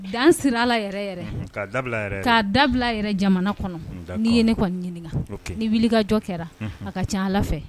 Dan sira ala yɛrɛ da ka dabila yɛrɛ jamana kɔnɔ n'i ye ne kɔni ɲini ni wuli ka jɔ kɛra a ka ca ala fɛ